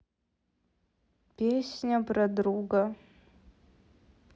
песня про друга